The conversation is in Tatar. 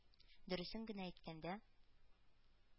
Дөресен генә әйткәндә,